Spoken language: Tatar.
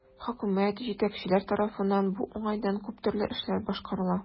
Хөкүмәт, җитәкчеләр тарафыннан бу уңайдан күп төрле эшләр башкарыла.